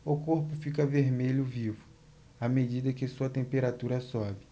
o corpo fica vermelho vivo à medida que sua temperatura sobe